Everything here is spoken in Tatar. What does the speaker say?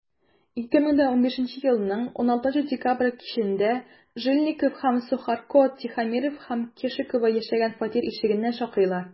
2015 елның 16 декабрь кичендә жильников һәм сухарко тихомиров һәм кешикова яшәгән фатир ишегенә шакыйлар.